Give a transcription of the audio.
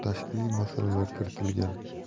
bir qator tashkiliy masalala kiritilgan